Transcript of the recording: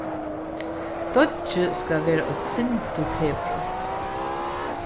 deiggið skal vera eitt sindur kleprut